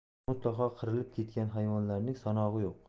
mutlaqo qirilib ketgan hayvonlarning sanog'i yo'q